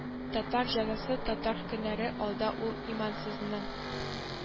Татар җәзасы татар көннәре алда ул имансызның